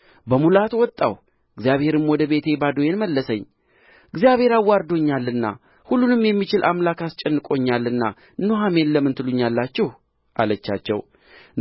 በሙላት ወጣሁ እግዚአብሔርም ወደ ቤቴ ባዶዬን መለሰኝ እግዚአብሔር አዋርዶኛልና ሁሉንም የሚችል አምላክ አስጨንቆኛልና ኑኃሚን ለምን ትሉኛላችሁ አለቻቸው